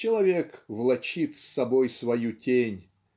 Человек влачит с собой свою тень